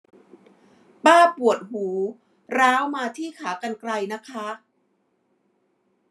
ป้าปวดหูร้าวมาที่ขากรรไกรนะคะ